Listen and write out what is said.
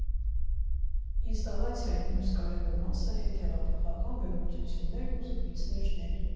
Ինստալացիայի մյուս կարևոր մասը՝ հետհեղափոխական վերլուծություններն ու զրույցներն են.